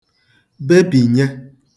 bebìnye